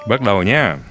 bắt đầu nhé